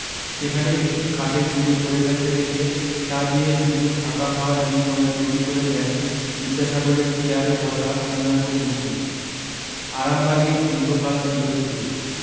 সেখানে একটি কাঠের গুঁড়ি পড়ে থাকতে দেখে তা দিয়ে শুধু থাকা খাওয়ার বিনিময়ে তৈরী করে দেন বিদ্যাসাগরের চেয়ারে বসা পূর্ণাঙ্গ মূর্তি আরামবাগেই দীর্ঘকাল ছিল সেটি